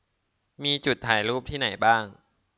มีจุดถ่ายรูปที่ไหนบ้าง